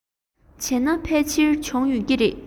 བྱས ན ཕལ ཆེར བྱུང ཡོད ཀྱི རེད